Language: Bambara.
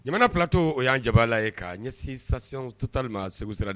Jamana plateau o y'an jabaala ye k'a ɲɛsin Station Total ma Segu sira